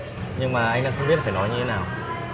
nhưng mà anh đang không biết là phải nói như thế nào